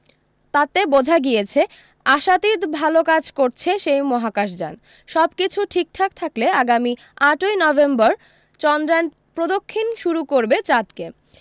তাতে বোঝা গিয়েছে আশাতীত ভাল কাজ করছে সেই মহাকাশযান সবকিছু ঠিকঠাক থাকলে আগামী আটৈ নভেম্বর চন্দ্র্যান প্রদক্ষিণ শুরু করবে চাঁদকে